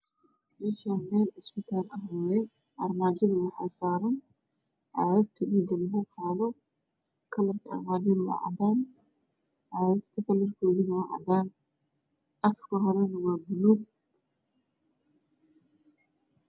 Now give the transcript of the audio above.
Meeshaan meel isbitaal waaye armaajada waxaa saaran caagagta dhiiga lagu qaado kalarka armaajada waa cadaan caagagta kalarkppdana waa cadaan afka hore waa buluug